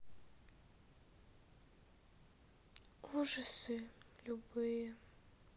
ужасы любые